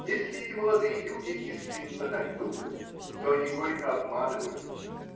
Если эти молодые люди искренно так думают, то они горько обманываются.